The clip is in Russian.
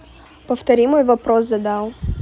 повтори мой вопрос задал